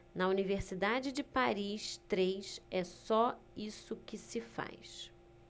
na universidade de paris três é só isso que se faz